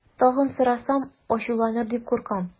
Тагын сорасам, ачуланыр дип куркам.